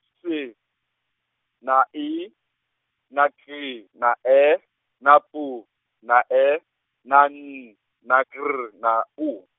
S na I na G na E na B na E na N na G ne U.